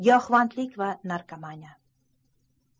giyohvandlik va narkomafiya